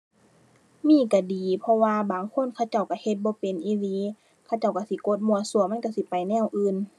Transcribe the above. มีก็ดี เพราะว่าเขาเจ้าก็เฮ็ดบ่เป็นอีหลี เขาเจ้าก็สิกดมั่วซั่วมันก็สิไปแนวอื่น